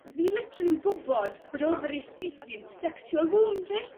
fi literally'n gwbod bod oferi chwith fi'n styc tu ôl womb fi.